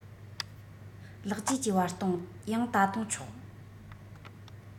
ལེགས བཅོས ཀྱི བར སྟོང ཡང ད དུང ཆོག